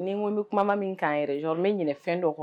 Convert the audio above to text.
Ni n ko n bɛ kumaman min k'an yɛrɛ sɔrɔ bɛ ɲini fɛn dɔ